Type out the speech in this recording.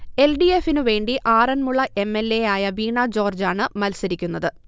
L. D. എഫിന് വേണ്ടി Aranmula M. L. എയായ വീണ ജോർജാണ് മത്സരിക്കുന്നത്